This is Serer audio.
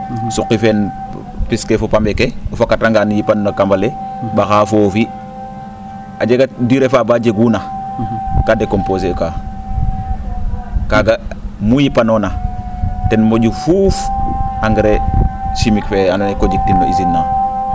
suqi fee pis ke fo pambe ke o fokatrangaan yipan no kamba ke ?axaa foofi a jega durer faa baa jeguuna kaa decomposer uka kaaga muu yipanoona ten mo?u fuuf engais chimique fee andoona yee koo jiktin no usine naa